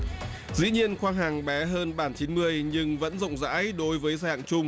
dĩ nhiên khoang hàng bé hơn bản chín mươi nhưng vẫn rộng rãi đối với dạng chung